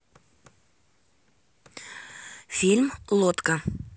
фильм лодка